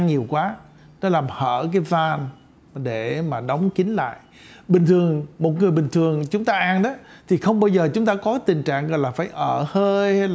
nhiều quá tôi làm hở cái van để mà đóng kín lại bình thường một người bình thường chúng ta ăn thì không bao giờ chúng ta có tình trạng là phếch ợ hơi